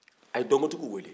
a ye dɔnkotigiw wele